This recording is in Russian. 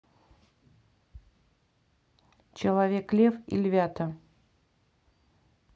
человек лев и львята